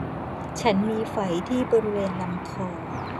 ฉันมีไฝที่บริเวณลำคอ